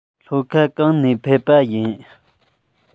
ལྷོ ཁ གང ནས ཕེབས པ ཡིན